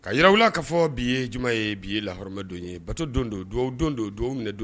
Ka yiw k ka fɔ bi ye ɲuman ye bii ye lahamɛdon ye bato don don dugawu don don dugawu minɛ don